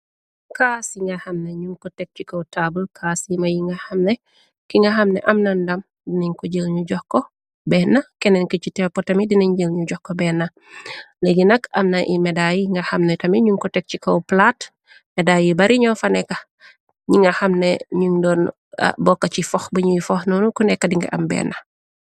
Kaas yi nga xamne ñun ko teg ci kaw taabl kaas yima yki nga xam ne am na ndam dinañ ko jël ñu jokko benna kennen ki ci teopotami dinañ jël ñu joxko benna ligi nak amna i medaa nga xamne tami ñun ko tek ci kaw plate medaay yi bari ñoo fa neka ñi nga xamne ñuñ doon bokka ci fox biñuy foxnoonu ku nekka dinga am benna.